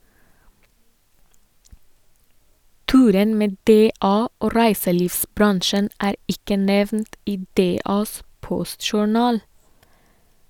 Turen med DA og reiselivsbransjen er ikke nevnt i DAs postjournal.